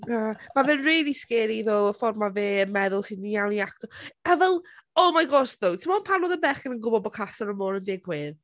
Na, mae fe'n rili scary though, y ffordd ma fe yn meddwl sy'n iawn i acto a fel, oh my gosh though, timod pan oedd y bechgyn yn gwbod bo' Casa Amor yn digwydd?